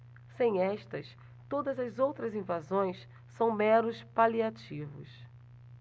sem estas todas as outras invasões são meros paliativos